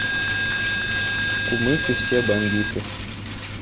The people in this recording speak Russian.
кумыки все бандиты